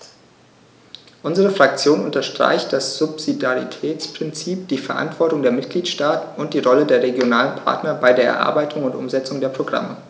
Unsere Fraktion unterstreicht das Subsidiaritätsprinzip, die Verantwortung der Mitgliedstaaten und die Rolle der regionalen Partner bei der Erarbeitung und Umsetzung der Programme.